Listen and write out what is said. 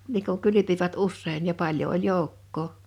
niin kun kylpivät usein ja paljon oli joukkoa